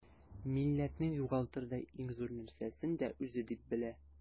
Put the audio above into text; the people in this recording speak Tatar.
Милләтнең югалтырдай иң зур нәрсәсен дә үзе дип белә.